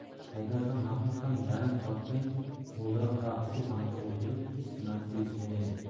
haydar ham mahmud ham yarim soatdan mo'lroq vaqt shu xonada o'tirib hech nimani sezishmagan edi